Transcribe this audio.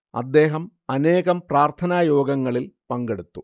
അദ്ദേഹം അനേകം പ്രാർത്ഥനാ യോഗങ്ങളിൽ പങ്കെടുത്തു